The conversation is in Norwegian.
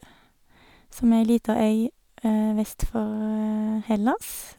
Som er ei lita øy vest for Hellas.